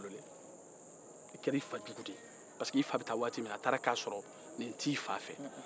i kɛra i fa jugu de ye pariseke nin taara k'a sɔrɔ a tɛ i fa fɛ